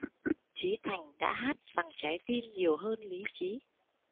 chí thành đã hát bằng trái tim nhiều hơn lý trí